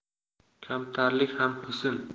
kamtarlik ham husn